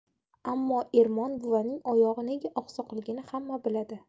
ammo ermon buvaning oyog'i nega oqsoqligini hamma biladi